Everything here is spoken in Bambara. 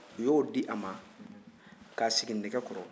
u y'o di a ma k'a sigi nɛgɛkɔrɔ